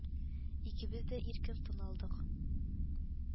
Икебез дә иркен тын алдык